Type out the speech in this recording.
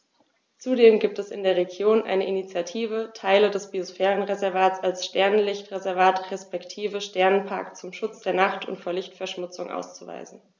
Zudem gibt es in der Region eine Initiative, Teile des Biosphärenreservats als Sternenlicht-Reservat respektive Sternenpark zum Schutz der Nacht und vor Lichtverschmutzung auszuweisen.